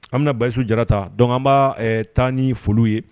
An bɛna Bayusu Jara ta donc an b'a taa ni foliw ye